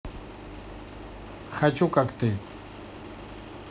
хочу как ты